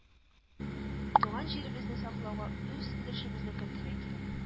Туган җиребезне саклауга үз өлешебезне кертергә кирәк